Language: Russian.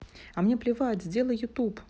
а мне плевать сделай youtube